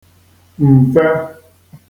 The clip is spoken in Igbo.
m̀fe